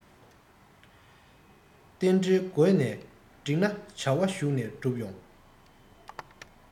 རྟེན འབྲེལ མགོ ནས འགྲིག ན བྱ བ གཞུག ནས འགྲུབ ཡོང